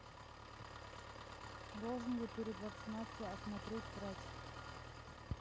должен ли перед вакцинацией осмотреть врач